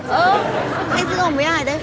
ơ anh xưng ông với ai đấy